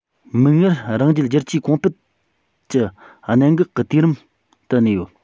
མིག སྔར རང རྒྱལ བསྒྱུར བཅོས གོང སྤེལ གྱི གནད འགག གི དུས རིམ དུ གནས ཡོད